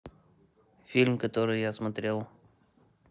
фильмы которые я сегодня смотрел